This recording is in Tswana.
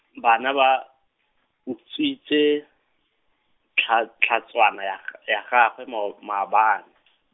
bana ba, utswitse, tlha- tlhatswana ya g- ya gagwe mao- maabane .